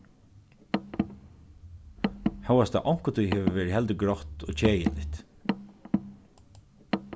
hóast tað onkuntíð hevur verið heldur grátt og keðiligt